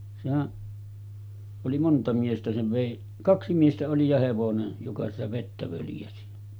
sehän oli monta miestä sen vei kaksi miestä oli ja hevonen joka sitä vettä völjäsi